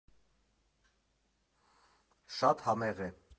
Շատ համեղ է։